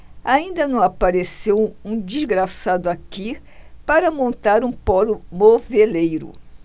ainda não apareceu um desgraçado aqui para montar um pólo moveleiro